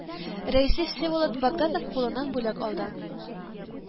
Рәисе всеволод богданов кулыннан бүләк алды